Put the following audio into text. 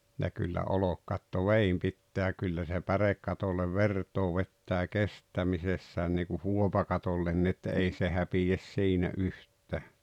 ja kyllä olkikatto veden pitää kyllä se pärekatolle vertaa vetää kestämisessään niin kuin huopakatolle että ei se häpeä siinä yhtään